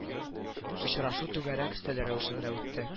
Очрашу түгәрәк өстәл рәвешендә үтте